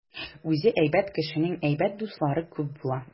Үзе әйбәт кешенең әйбәт дуслары күп була.